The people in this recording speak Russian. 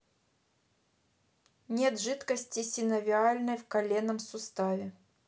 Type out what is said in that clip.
нет жидкости синовиальной в коленном суставе